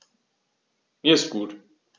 Mir ist gut.